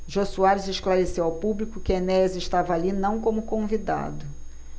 jô soares esclareceu ao público que enéas estava ali não como convidado